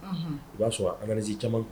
Unhun o y'a sɔrɔ analyse caman b